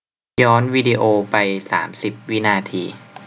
ย้อนวีดีโอไปสามสิบวินาที